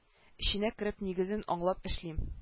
Эченә кереп нигезен аңлап эшлим